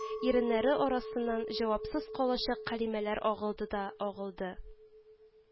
Иреннәре арасыннан җавапсыз калачак кәлимәләр агылды да агылды